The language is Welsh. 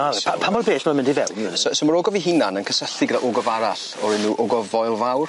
A reit. Pa pa mor bell ma'n mynd i fewn ? So so ma'r ogof 'i hunan yn cysylltu gyda ogof arall o'r enw ogof Foel Fawr.